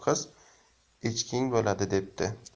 shaloq qiz echking bo'ladi debdi